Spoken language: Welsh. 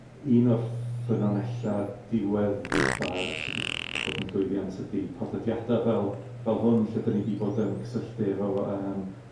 un o'r ffynonella diweddar sy' di ll- bod yn llwyddiant ydi podlediada fel, fel hwn, lle 'dan ni di bod yn cysylltu efo, yym,